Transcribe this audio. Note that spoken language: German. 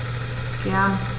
Gern.